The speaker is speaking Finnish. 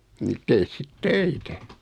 niin tee sitten töitä